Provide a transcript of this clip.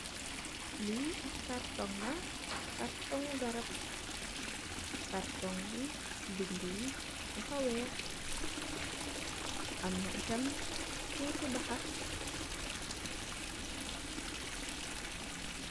Lii ab kartoñg la, kartoñg garab. Bindë yi, dafa weex, am na itam, tuuti baxa.